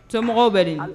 so mɔgɔw bɛ di? Aa